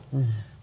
ja.